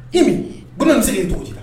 I min Banan be se k'e ye togodi